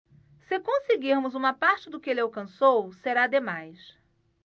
se conseguirmos uma parte do que ele alcançou será demais